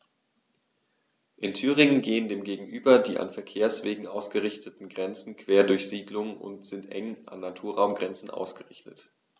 In Thüringen gehen dem gegenüber die an Verkehrswegen ausgerichteten Grenzen quer durch Siedlungen und sind eng an Naturraumgrenzen ausgerichtet.